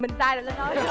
mình sai rồi linh ơi